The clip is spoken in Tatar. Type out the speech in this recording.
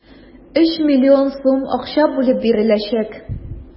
3 млн сум акча бүлеп биреләчәк.